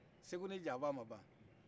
segu ne janfa ma ban